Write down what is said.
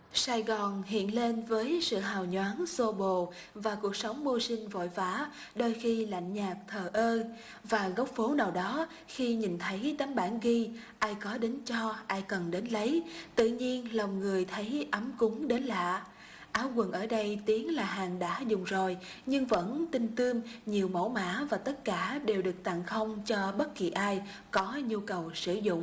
sài gòn hiện lên với sự hào nhoáng xô bồ và cuộc sống mưu sinh vội vã đôi khi lạnh nhạt thờ ơ và góc phố nào đó khi nhìn thấy tấm bảng ghi ai có đến cho ai cần đến lấy tự nhiên lòng người thấy ấm cúng đến lạ áo quần ở đây tiếng là hàng đã dùng rồi nhưng vẫn tinh tươm nhiều mẫu mã và tất cả đều được tặng không cho bất kỳ ai có nhu cầu sử dụng